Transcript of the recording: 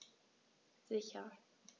Sicher.